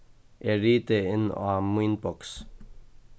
eg riti inn á mínboks